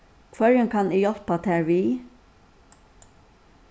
hvørjum kann eg hjálpa tær við